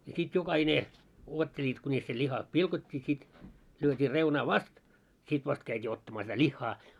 ja sitten jokainen odottelivat kunis se liha pilkottiin sitten lyötiin reunaa vasten sitten vasta käytiin ottamaan sitä lihaa